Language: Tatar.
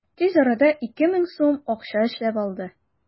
Тиз арада 2000 сум акча эшләп алды.